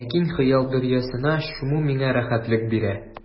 Ләкин хыял дәрьясына чуму миңа рәхәтлек бирә.